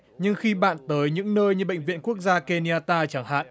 nhưng khi bạn tới những nơi như bệnh viện quốc gia ken ni a ta chẳng hạn